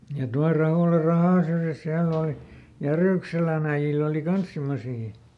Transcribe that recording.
ja tuolla Rahola rahan syrjässä siellä oli Järykselän äijillä oli kanssa semmoisia